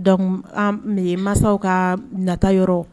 Dɔnkuc masaw ka nata yɔrɔ